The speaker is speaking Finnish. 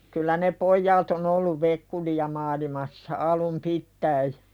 kyllä ne pojat on ollut vekkuleita - maailmassa alun pitäen